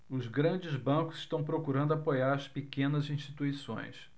os grandes bancos estão procurando apoiar as pequenas instituições